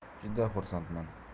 juda xursandman